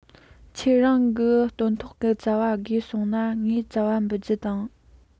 ཁྱེད རང གི སྟོན ཐོག གི ཙ བ དགོས གསུངས ན ངས ཙ བ འབུལ རྒྱུ དང